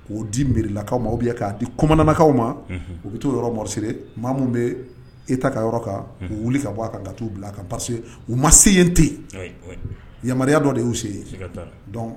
K'o di milakaw ma k'a di komankaw ma u bɛ too yɔrɔma siri maa min bɛ e ta ka yɔrɔ kan u wuli ka bɔ ka taa uu bila ka taa so u ma se yen tɛ yen yamaruya dɔ de y'u se yen